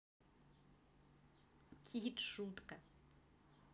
kid шутка